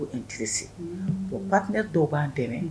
unhunnnn bon partenaire dɔw b'an dɛmɛ